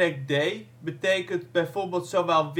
b-y-ḍ betekent bijvoorbeeld zowel